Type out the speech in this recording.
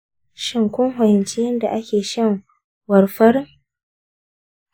shin, kun fahimci yadda ake shan warfarin?